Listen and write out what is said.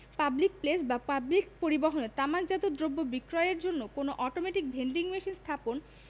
public place বা public পরিবহণে তামাকজাত দ্রব্য বিক্রয়ের জন্য কোন অটোমেটিক ভেন্ডিং মেশিন স্থাপন